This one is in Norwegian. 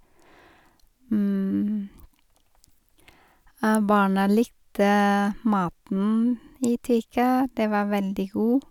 Barna likte maten i Tyrkia, det var veldig god.